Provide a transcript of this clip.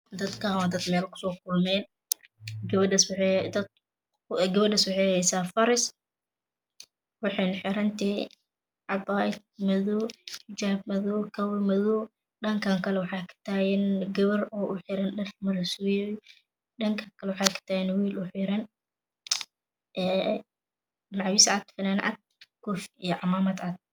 Dadkaan waa dad meel kusoo kulmeen. gabadhaas waxay heysaa faris waxayna xiran tahay cabaayad madow xijaab madow iyo kabo madow. Dhankaan kale waxaa kataagan gabar oo xiran dhar karisa weye dhanka kale waxaa kataagay wiil xiran macawis cad ccimaamad cad iyo koofi cad